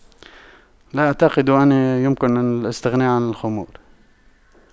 لا اعتقد أني يمكن الاستغناء عن الخمور